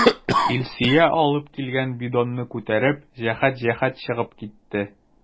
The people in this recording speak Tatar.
Илсөя алып килгән бидонны күтәреп, җәһәт-җәһәт чыгып китте.